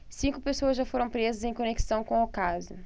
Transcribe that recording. cinco pessoas já foram presas em conexão com o caso